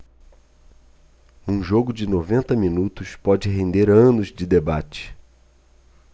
um jogo de noventa minutos pode render anos de debate